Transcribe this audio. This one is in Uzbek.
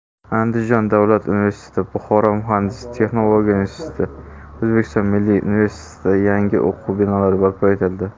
andijon davlat universiteti buxoro muhandislik texnologiya instituti o'zbekiston milliy universitetida yangi o'quv binolari barpo etildi